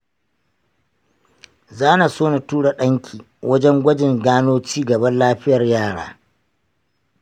zanaso na tura danki wajen gwajin gano cigaban lafiyar yara.